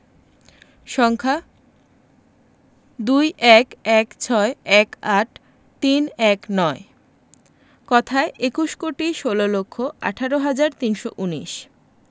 সংখ্যা ২১১৬১৮৩১৯ কথায় একুশ কোটি ষোল লক্ষ আঠারো হাজার তিনশো উনিশ